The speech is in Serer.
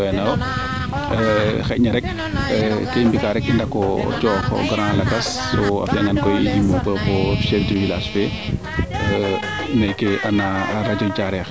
xanj na rek ke i mbi kaa rek ndako coox o Grand lakas a fiya ngaan koy i coox chef du village fee meeke no radio Diarekh